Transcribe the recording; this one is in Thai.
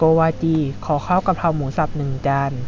โกวาจีขอข้าวกะเพราหมูสับหนึ่งจาน